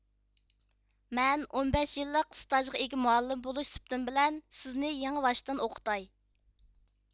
مەن ئون بەش يىللىق ئىستاژغا ئىگە مۇئەللىم بولۇش سۈپىتىم بىلەن سىزنى يېڭىۋاشتىن ئوقۇتاي